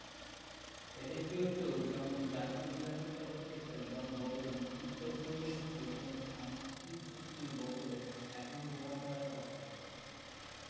এঁদের কেউ কেউ যেমন জাতীয় নিরাপত্তা উপদেষ্টা জন বোল্টন উত্তর কোরিয়ার সঙ্গে কোনো শান্তি চুক্তির বদলে এখনই বোমা ফেলার পক্ষে